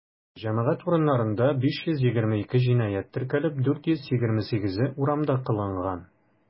Җәмәгать урыннарында 522 җинаять теркәлеп, 428-е урамда кылынган.